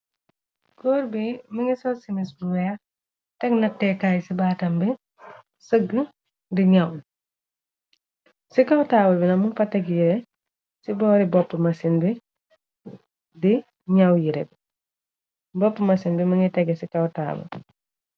Goór bi mëngi sol ci mis bu weex tek natte kaay ci baatam bi. Sëgg di ñyaw ci kawtaabal bi namu patek yire ci boori bopp masin bi. Di ñyaw yire bi bopp masin bi mëngay tege ci kaw taabul.